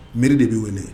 Miri de bɛ wele